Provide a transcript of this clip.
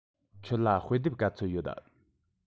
ཁྱོད ལ དཔེ དེབ ག ཚོད ཡོད